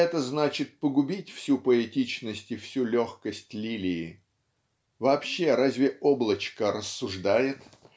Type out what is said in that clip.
это значит погубить всю поэтичность и всю легкость лилии. Вообще разве облачко рассуждает